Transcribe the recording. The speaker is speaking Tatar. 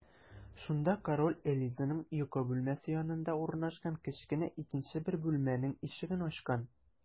Шунда король Элизаның йокы бүлмәсе янында урнашкан кечкенә икенче бер бүлмәнең ишеген ачкан.